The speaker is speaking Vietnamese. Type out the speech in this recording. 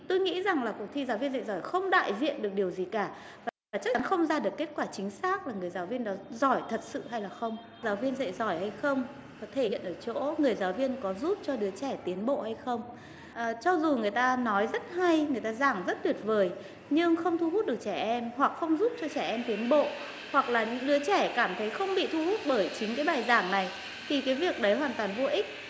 tôi nghĩ rằng là cuộc thi giáo viên dạy giỏi không đại diện được điều gì cả và chắc chắn không ra được kết quả chính xác là người giáo viên giỏi thật sự hay không giáo viên dạy giỏi hay không thể hiện ở chỗ người giáo viên có giúp cho đứa trẻ tiến bộ hay không cho dù người ta nói rất hay người ta giảng rất tuyệt vời nhưng không thu hút được trẻ em hoặc không giúp cho trẻ em tiến bộ hoặc là những đứa trẻ cảm thấy không bị thu hút bởi chính các bài giảng này thì cái việc đấy hoàn toàn vô ích